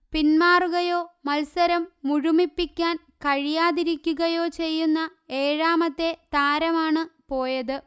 പിന്മാറുകയോ മത്സരം മുഴുമിപ്പിക്കാൻ കഴിയാതിരിക്കുകയോ ചെയ്യുന്ന ഏഴാമത്തെ താരമാണ് പോയത്